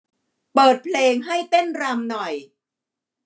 เปิดเพลงให้เต้นรำหน่อย